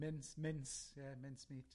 Mints, mints, ie, mincemeat.